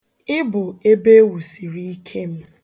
Ị bụ ebewusiriike m